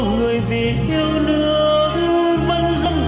người vì yêu nước